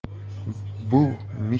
bu mish mishlarni